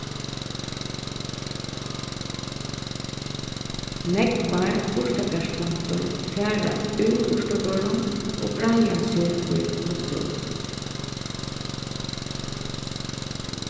nógvar urtagarðsplantur fara úr urtagørðum og breiða seg í náttúruna